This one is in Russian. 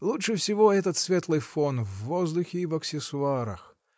— Лучше всего этот светлый тон в воздухе и в аксессуарах.